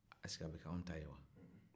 est-ce que an bɛ kɛ anw ta ye wa